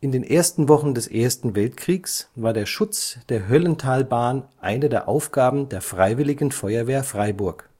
den ersten Wochen des Ersten Weltkriegs war der Schutz der Höllentalbahn eine der Aufgaben der Freiwilligen Feuerwehr Freiburg